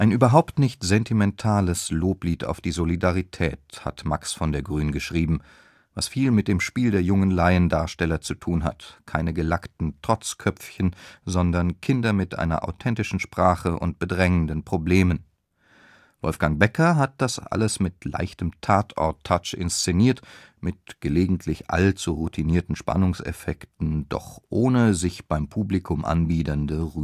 überhaupt nicht sentimentales Loblied auf die Solidarität hat Max von der Grün geschrieben, was viel mit dem Spiel der jungen Laiendarsteller zu tun hat: keine gelackten Trotzköpfchen, sondern Kinder mit einer authentischen Sprache und bedrängenden Problemen. Wolfgang Becker hat das alles mit leichtem, Tatort ‘- Touch inszeniert, mit gelegentlich allzu routinierten Spannungseffekten, doch ohne sich beim Publikum anbiedernde Rührseligkeit